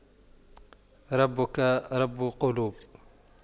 ربك رب قلوب